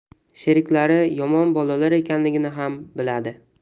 sheriklari yomon bolalar ekanligini xam bilardi